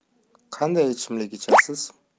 qanday ichimlik ichasiz